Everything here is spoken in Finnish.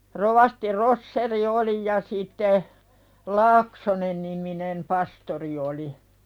rovasti Roschier oli ja sitten Laaksonen-niminen pastori oli